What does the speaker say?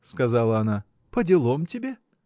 — сказала она, — поделом тебе!